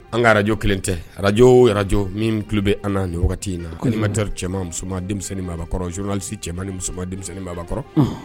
An ka arajo kelen tɛ arajo arajo min bɛ an nin wagati in na komatɛ cɛ musoman denmisɛnnin kɔrɔ zolalisisi cɛ ni musoman denmisɛnninbaa kɔrɔ